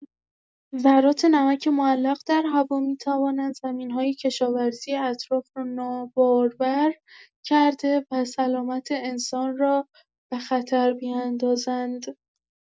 ذرات نمک معلق در هوا می‌توانند زمین‌های کشاورزی اطراف را نابارور کرده و سلامت انسان را به خطر بیندازند.